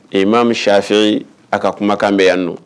I maa siso a ka kumakan bɛ yan don